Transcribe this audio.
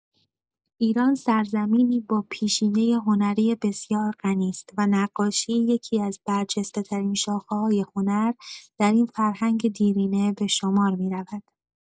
ایران سرزمینی با پیشینه هنری بسیار غنی است و نقاشی یکی‌از برجسته‌ترین شاخه‌های هنر در این فرهنگ دیرینه به شمار می‌رود.